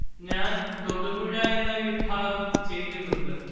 ഞാന്‍ തൊടുപുഴ എന്ന വിഭാഗം ചെയ്തിട്ടുണ്ട്